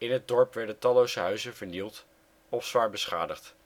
het dorp werden talloze huizen vernield of zwaar beschadigd